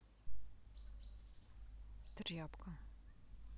тряпка